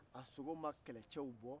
a sogo ma kɛlɛcɛw bɔ